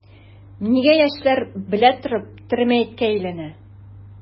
Нигә яшьләр белә торып тере мәеткә әйләнә?